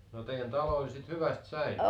no teidän talo oli sitten hyvästi säilynyt